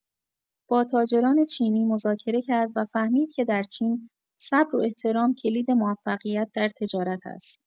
با تاجران چینی مذاکره کرد و فهمید که در چین، صبر و احترام کلید موفقیت در تجارت است.